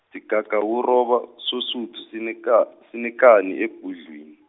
Sigagawuroba soSuthu sineka- sinekani ebhudwini.